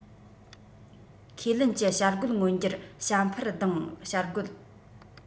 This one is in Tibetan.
ཁས ལེན གྱིས བྱ རྒོད མངོན འགྱུར བྱ འཕུར ལྡང བྱ རྒོད